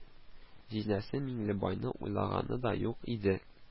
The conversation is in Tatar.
Җизнәсе Миңлебайны уйлаганы да юк иде